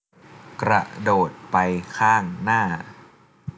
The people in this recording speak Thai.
กระโดดไปข้างหน้า